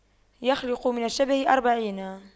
يخلق من الشبه أربعين